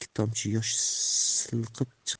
ikki tomchi yosh silqib chiqdi